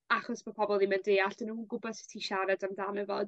Achos bo' pobol ddim yn deall 'dyn nw'm yn gwybo sut i siarad amdano fo